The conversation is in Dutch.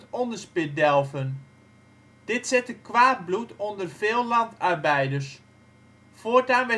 onderspit delven. Dit zette kwaad bloed onder veel landarbeiders. Voortaan